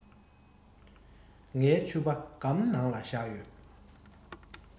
ངའི ཕྱུ པ སྒམ ནང ལ བཞག ཡོད